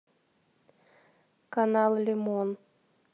канал лимон